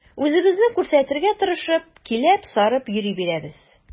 Үзебезне күрсәтергә тырышып, киләп-сарып йөри бирәбез.